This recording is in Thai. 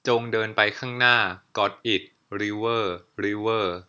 จงเดินไปข้างหน้าก็อทอิทริเวอร์ริเวอร์